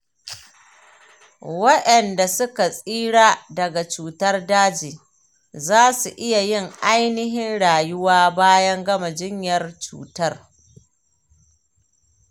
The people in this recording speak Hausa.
waenda suka tsira daga cutar daji zasu iya yin ainihin rayuwa bayan gama jinyar cutar.